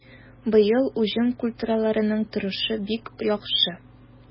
Быел уҗым культураларының торышы бик яхшы.